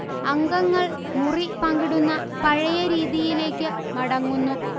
അംഗങ്ങൾ മുറി പങ്കിടുന്ന പഴയ രീതിയിലേക്കു മടങ്ങുന്നു